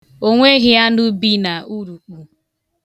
O nweghị anụ bi n'urukpu.